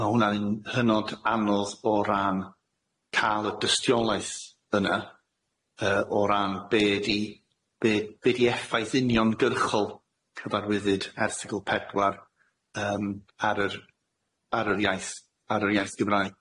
Ma' hwnna'n yn hynod anodd o ran ca'l y dystiolaeth yna, yy o ran be' di be' be' di effaith uniongyrchol cyfarwyddyd erthygl pedwar yym ar yr ar yr iaith ar yr iaith Gymraeg.